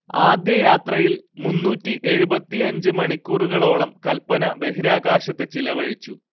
ആദ്യയാത്രയിൽ മുന്നൂറ്റി എഴുപത്തിയഞ്ച് മണിക്കൂറുകളോളം കൽപന ബഹിരാകാശത്ത് ചിലവഴിച്ചു